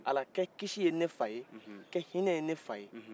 ala kɛ kiisi ye ne fa ye kɛ hinɛ ye ne fa ye